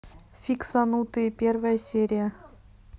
фиксанутые первая серия